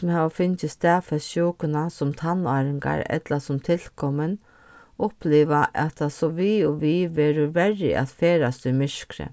sum hava fingið staðfest sjúkuna sum tannáringar ella sum tilkomin uppliva at tað so við og við verður verri at ferðast í myrkri